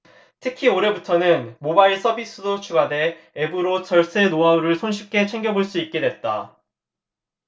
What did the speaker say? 특히 올해부터는 모바일 서비스도 추가돼 앱으로 절세 노하우를 손쉽게 챙겨볼 수 있게 됐다